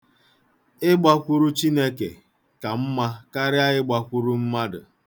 Ịgbakwuru Chineke ka mma karịa ịgbakwuru mmadụ.